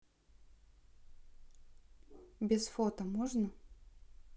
без фото можно